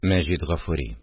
Мәҗит Гафури